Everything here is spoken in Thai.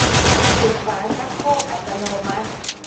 ปิดฝาชักโครกอัตโนมัติ